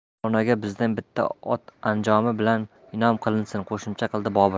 mavlonoga bizdan bitta ot anjomi bilan inom qilinsin qo'shimcha qildi bobur